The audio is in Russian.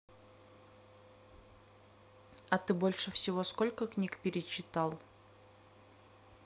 а ты больше всего сколько книг перечитал